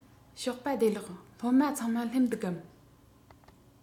ཞོགས པ བདེ ལེགས སློབ མ ཚང མ སླེབས འདུག གམ